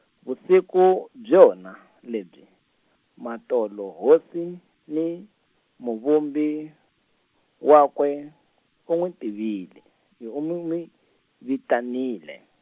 vusiku, byona, lebyi, matolo, Hosi, ni Muvumbi, wakwe, u nwi tivile, yo u nwi vitanile.